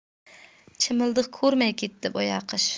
chimildiq ko'rmay ketdi boyaqish